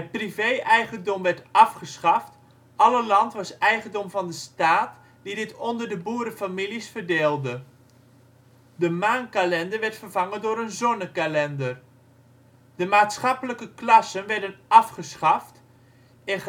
privé-eigendom werd afgeschaft; alle land was eigendom van de staat, die dit onder de boerenfamilies verdeelde. De maankalender werd vervangen door een zonnekalender, De maatschappelijke klassen werden afgeschaft en